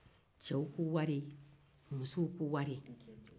cɛw ko wari musow ko wari